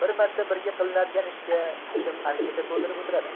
bir marta birga qilinadigan ishga kim anketa to'ldirib o'tiradi